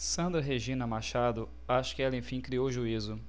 sandra regina machado acho que ela enfim criou juízo